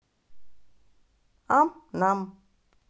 ам нам